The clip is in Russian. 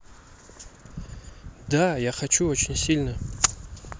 да я хочу очень сильно